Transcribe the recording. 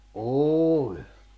oli